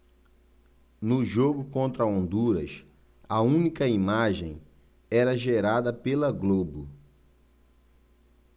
no jogo contra honduras a única imagem era gerada pela globo